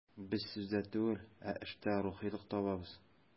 Без сүздә түгел, ә эштә рухилык табабыз.